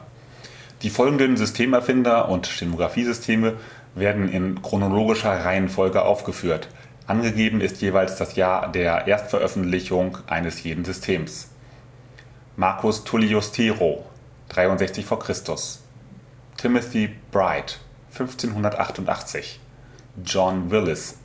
Die folgenden Systemerfinder und Stenografiesysteme werden in chronologischer Reihenfolge aufgeführt. Angegeben ist jeweils das Jahr der Erstveröffentlichung eines jeden Systems. Marcus Tullius Tiro (63 v. Chr.) Timothy Bright (1588) John Willis